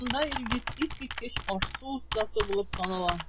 Шунда Илгиз искиткеч аш-су остасы булып таныла.